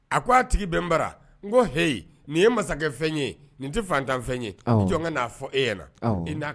A ko a tigi bɛn bara n ko heyi nin ye masakɛ fɛn ye, nin tɛ fatan fɛn ye. Awɔ. I jɔ n ka n'a fɔ e ɲana. Awɔ. I n'a